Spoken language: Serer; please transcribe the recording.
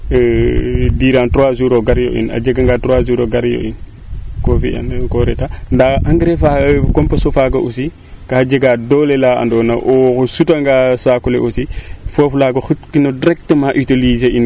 durant trois jours o gar yo'in a jega nga o gar trois jours o gar yo'in ko fiyan ko reta ndaa engrais faa compos faaga aussi kaa jegaa doole la ando na u suta nga saaku le aussi foof laaga xot kino directement utuliser in